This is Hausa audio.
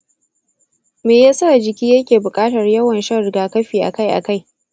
me ya sa jiki yake buƙatar yawan shan rigakafi akai-akai?